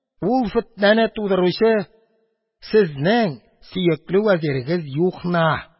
Бу фетнәне тудыручы — сезнең сөекле вәзирегез Юхна.